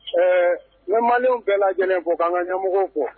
Ɛɛ ne manw bɛɛ lajɛlen bɔ k'an ka ɲamɔgɔ kɔ